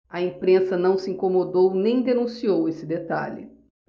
a imprensa não se incomodou nem denunciou esse detalhe